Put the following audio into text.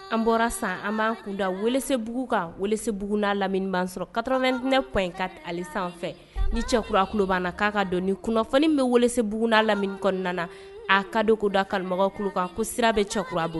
An bɔra san an b' kundase bbugu kan b lamini sɔrɔ katamedinɛɛ kuwa in ka ali sanfɛ ni cɛkura kubaa k' kan ka don kunnafoni bɛ buguan lamini kɔnɔna na a ka don ko da kalomɔgɔ kulu kan ko sira bɛ cɛkura bolo